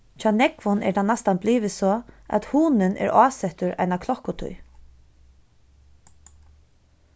hjá nógvum er tað næstan blivið so at hugnin er ásettur eina klokkutíð